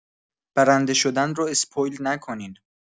برنده شدن رو اسپویل نکنین!